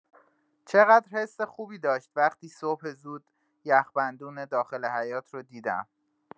چقدر حس خوبی داشت وقتی صبح زود یخ‌بندون داخل حیاط رو دیدم!